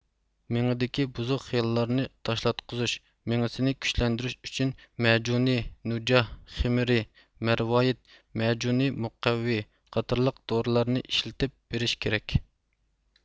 مېڭىدىكى بۇزۇق خىياللارنى تاشلاتقۇزۇش مېڭىسىنى كۈچلەندۈرۈش ئۈچۈن مەجۇنى نۇجاھ خىمىرى مەرۋايىت مەجۇنى مۇقەۋۋى قاتارلىق دورىلارنى ئىشلىتىپ بېرىش كېرەك